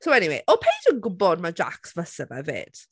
So anyway, odd Paige yn gwbod ma' Jacques fyse fe 'fyd.